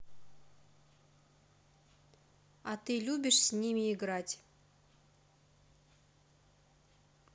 а ты любишь с ними играть